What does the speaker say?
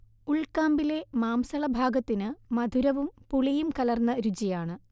ഉൾക്കാമ്പിലെ മാംസളഭാഗത്തിന് മധുരവും പുളിയും കലർന്ന രുചിയാണ്